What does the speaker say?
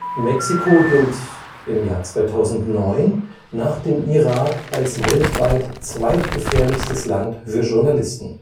Mexiko gilt heute (2009) nach dem Irak als weltweit zweitgefährlichstes Land für Journalisten